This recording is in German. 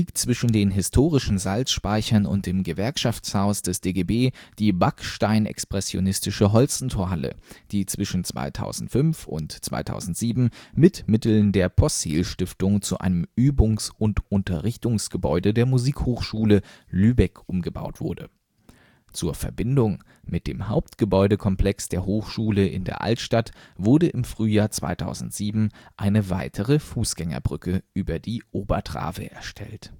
zwischen den historischen Salzspeichern und dem Gewerkschaftshaus des DGB die backsteinexpressionistische Holstentorhalle, die zwischen 2005 und 2007 mit Mitteln der Possehl-Stiftung zu einem Übungs - und Unterrichtsgebäude der Musikhochschule Lübeck umgebaut wurde. Zur Verbindung mit dem Hauptgebäudekomplex der Hochschule in der Altstadt wurde im Frühjahr 2007 eine weitere Fußgängerbrücke über die Obertrave fertig gestellt